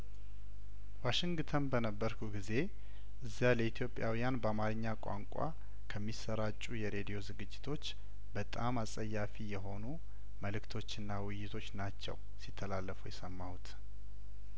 ዋሽንግተን በነበርኩ ጊዜ እዚያለኢትዮጵያውያን በአማርኛ ቋንቋ ከሚሰራጩ የሬዲዮ ዝግጅቶች በጣም አስጸያፊ የሆኑ መልክቶችና ውይይቶች ናቸው ሲተላለፉ የሰማሁት